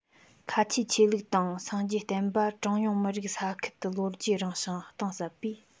ཁ ཆེའི ཆོས ལུགས དང སངས རྒྱས བསྟན པ གྲངས ཉུང མི རིགས ས ཁུལ དུ ལོ རྒྱུས རིང ཞིང གཏིང ཟབ པས